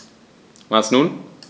Und nun?